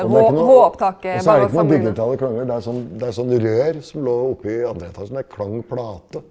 det ikke noe og så er det ikke noe digitale klanger, det er sånn det er sånn rør som lå oppi andreetasjen, det er klangplate.